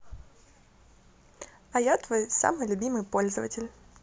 а я твой самый любимый пользователь